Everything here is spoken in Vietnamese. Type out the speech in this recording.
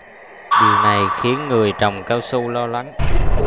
điều này khiến người trồng cao su lo lắng